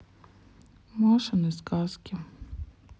машины сказки